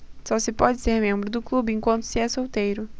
só se pode ser membro do clube enquanto se é solteiro